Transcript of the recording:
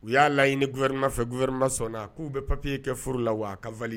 U y'a laɲinini gouvernement gouvernement sɔn na k'u bɛ papier kɛ furu la wa ka valider